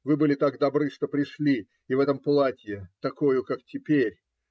Вы были так добры, что пришли, и в этом платье, такою, как теперь.